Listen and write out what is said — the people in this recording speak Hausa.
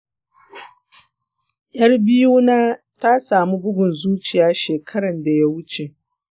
yar biyu na ta samu bugun zuciya shekaran da ya wuce